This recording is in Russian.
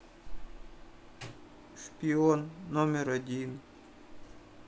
шпион номер один